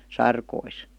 sarkoihin